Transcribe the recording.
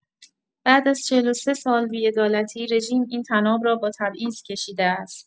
بعد از ۴۳ سال، بی‌عدالتی، رژیم این طناب را با تبعیض کشیده است.